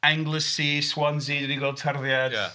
Anglesey Swansea dan ni'n gweld tarddiad... ia.